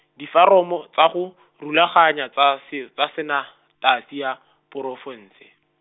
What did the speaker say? diforomo tsa go, rulaganya tsa se-, tsa sanetasi ya, porofense.